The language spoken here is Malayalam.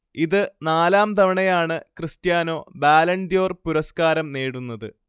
ഇത് നാലാം തവണയാണ് ക്രിസ്റ്റ്യാനോ ബാലൺദ്യോർ പുരസ്കാരം നേടുന്നത്